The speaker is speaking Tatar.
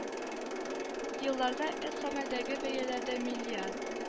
- елларда эт гамәлдәге бәяләрдә милиард